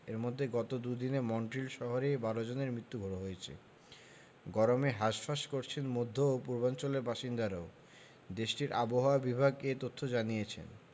এর মধ্যে গত দুদিনে মন্ট্রিল শহরেই ১২ জনের মৃত্যু হয়েছে গরমে হাসফাঁস করছেন মধ্য ও পূর্বাঞ্চলের বাসিন্দারাও দেশটির আবহাওয়া বিভাগ এ তথ্য জানিয়েছে